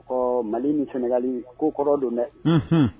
Ɔ mali ni sɛnɛgali ko kɔrɔ don dɛ